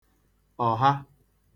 ọ̀ha